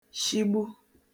shigbu